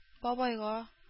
Бабайга